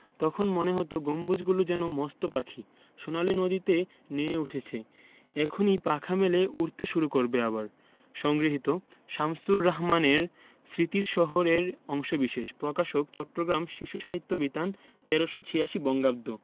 তখন মনে হতো গম্বুজগুলো যেন মস্ত পাখি সোনালি নদীতে নেয়ে উঠেছে এক্ষুনি পাখা মেলে উড়তে শুরু করবে আবার সংগৃহীত শামসুর রাহমানের স্মৃতির শহর এর অংশবিশেষ প্রকাশকঃ চট্টগ্রাম শিশু সাহিত্য বিতান ১৩৮৬ বঙ্গাব্দ